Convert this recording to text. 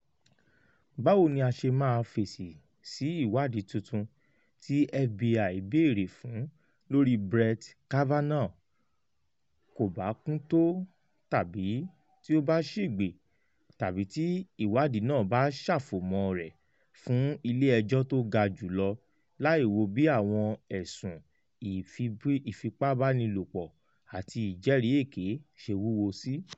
"Báwo ni a ṣe máa fèsì tí ìwádìí túntun tí F.B.I bèèrè fún lórí Brett Kavanaugh kò bá kún tó tàbí tí ó bá ṣègbè - tàbí tí ìwádìí náà bá ṣàfomọ́ rẹ̀ fún Ilé Ẹjọ́ tó ga jùlọ láìwo bí àwọn ẹ̀sùn ìfipabánilòpọ̀ àti ìjẹ́rìí èkè ṣe wúwo sí?